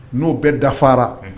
N'o bɛɛ dafara